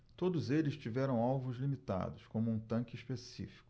todos eles tiveram alvos limitados como um tanque específico